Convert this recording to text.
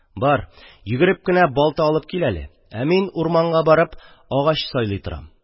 Бар, йөгереп кенә балта алып кил әле, ә мин урманга барып агач сайлый торам.